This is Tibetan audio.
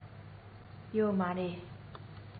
ཡོད མ རེད